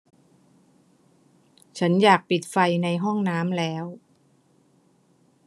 ฉันอยากปิดไฟในห้องน้ำแล้ว